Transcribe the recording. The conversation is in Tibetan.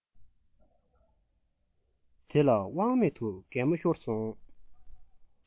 དེ ལ དབང མེད དུ གད མོ ཤོར སོང